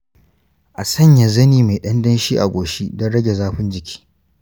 a sanya zani mai ɗan danshi a goshi don rage zafin jiki.